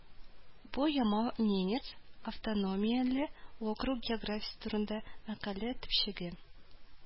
Бу Ямал-Ненец автономияле округы географиясе турында мәкалә төпчеге